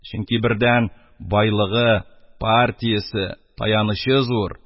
Чөнки, бердән, байлыгы, партиясе — таянычы зур,